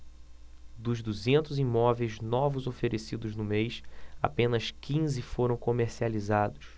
dos duzentos imóveis novos oferecidos no mês apenas quinze foram comercializados